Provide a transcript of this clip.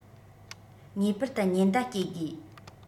ངེས པར དུ ཉེན བརྡ སྐྱེལ དགོས